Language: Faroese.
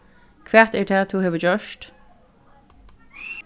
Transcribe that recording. hvat er tað tú hevur gjørt